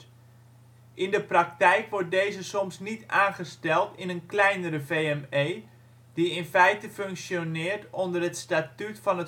In de praktijk wordt deze soms niet aangesteld in kleinere VME, die in feite functioneren onder het statuut van